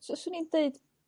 Sw- swn i'n d'eud